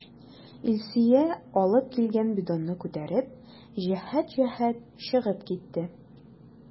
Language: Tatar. Илсөя алып килгән бидонны күтәреп, җәһәт-җәһәт чыгып китте.